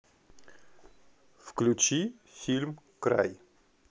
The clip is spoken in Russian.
включи фильм край